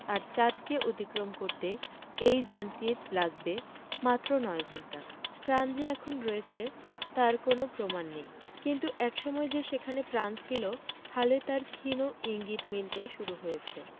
আর চাঁদকে অতিক্রম করতে এই যানটির লাগবে মাত্র নয় ঘণ্টা প্রাণ যে এখন রয়েছে তার কোনও প্রমাণ নেই কিন্তু এক সময় যে সেখানে প্রাণ ছিল হালে তার ক্ষীণ ইঙ্গিত মিলতে শুরু হয়েছে